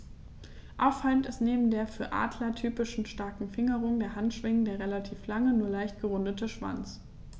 Auffallend ist neben der für Adler typischen starken Fingerung der Handschwingen der relativ lange, nur leicht gerundete Schwanz.